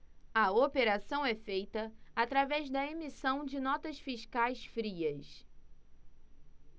a operação é feita através da emissão de notas fiscais frias